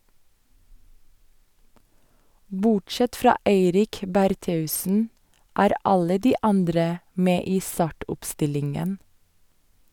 - Bortsett fra Eirik Bertheussen er alle de andre med i startoppstillingen.